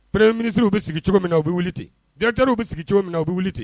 Reme minisiririw bɛ sigi cogo min na u bɛ wuli datew bɛ sigi cogo min u bɛ wuli